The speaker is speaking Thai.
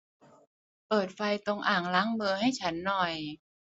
เปิดไฟตรงอ่างล้างมือให้ฉันหน่อย